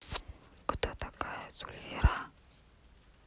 кто такая зульфира